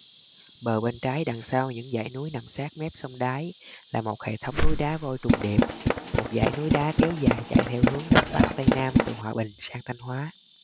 bờ bên trái đằng sau những dãy núi nằm sát mép sông đáy là một hệ thống núi đá vôi trùng điệp một dải núi đá kéo dài chạy theo hướng đông bắc tây nam từ hòa bình sang thanh hóa